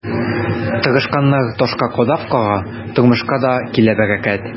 Тырышканнар ташка кадак кага, тормышка да килә бәрәкәт.